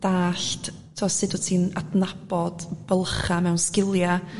dallt t'o' sut w't ti'n adnabod bylcha mewn sgilia